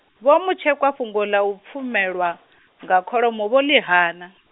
Vho Mutshekwa fhungo ḽa u pfumelwa, nga kholomo vho ḽi hana.